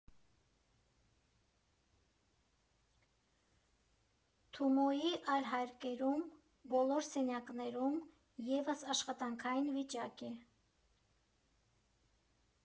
Թումոյի այլ հարկերում՝ բոլոր սենյակներում ևս աշխատանքային վիճակ է։